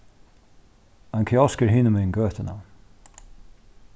ein kiosk er hinumegin gøtuna